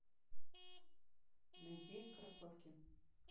найди кроссовки